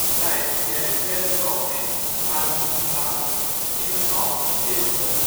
Bij de kerk werden woon - en koetshuizen gebouwd in een halve cirkel